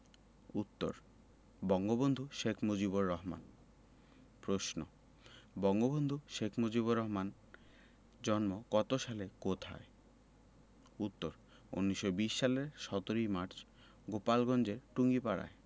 উত্তর বঙ্গবন্ধু শেখ মুজিবুর রহমান প্রশ্ন বঙ্গবন্ধু শেখ মুজিবুর রহমানের জন্ম কত সালে কোথায় উত্তর ১৯২০ সালের ১৭ মার্চ গোপালগঞ্জের টুঙ্গিপাড়ায়